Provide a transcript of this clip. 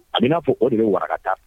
A bɛna'a fɔ o de bɛ wagata